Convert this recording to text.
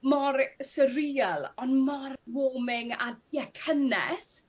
mor surreal on' mor warming a ie cynnes.